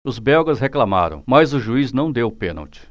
os belgas reclamaram mas o juiz não deu o pênalti